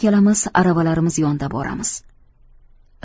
ikkalamiz aravalarimiz yonida boramiz